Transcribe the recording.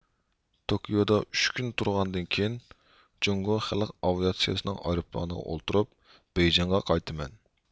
توكيودا ئۈچ كۈن تۇرغاندىن كېيىن جۇڭگو خەلق ئاۋىئاتسىيىسىنىڭ ئايروپىلانىغا ئولتۇرۇپ بېيجىڭغا قايتىمەن